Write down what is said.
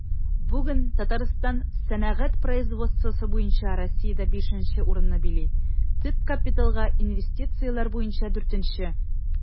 Бүген Татарстан сәнәгать производствосы буенча Россиядә 5 нче урынны били, төп капиталга инвестицияләр буенча 4 нче.